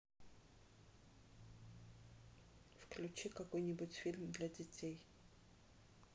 включи какой нибудь фильм для детей